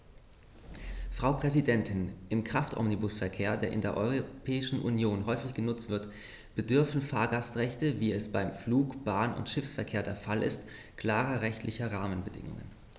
Frau Präsidentin, im Kraftomnibusverkehr, der in der Europäischen Union häufig genutzt wird, bedürfen Fahrgastrechte, wie es beim Flug-, Bahn- und Schiffsverkehr der Fall ist, klarer rechtlicher Rahmenbedingungen.